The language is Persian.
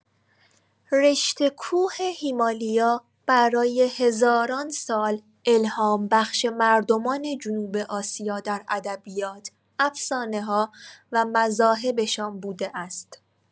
رشته‌کوه هیمالیا برای هزاران سال الهام‌بخش مردمان جنوب آسیا در ادبیات، افسانه‌ها و مذاهبشان بوده است.